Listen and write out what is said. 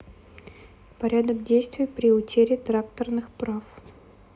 порядок действий при утере тракторных прав